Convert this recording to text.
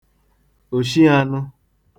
òshiānụ̄